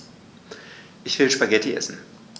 Ich will Spaghetti essen.